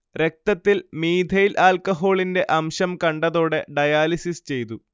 രക്തത്തിൽ മീഥൈൽ ആൽക്കഹോളിന്റെ അംശം കണ്ടതോടെ ഡയാലിസിസ് ചെയ്തു